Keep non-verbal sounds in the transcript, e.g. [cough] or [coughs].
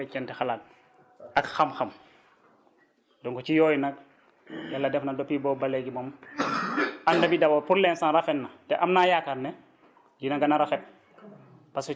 donc dañuy wéccante xalaat ak xam-xam donc ci yooyu nag [coughs] yàlla def na depuis boobu ba léegi moom [coughs] ànd bi d' abord pour l' instant rafet na te am naa yaakaar ne dina gën a rafet